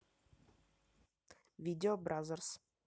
видео бразерс